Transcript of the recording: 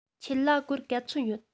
ཁྱེད ལ སྒོར ག ཚོད ཡོད